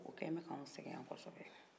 u kɛnbɛ k'anw sɛgɛ ya kɔsɔbɛ